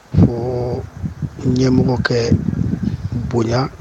Fo ɲɛmɔgɔ ka bonya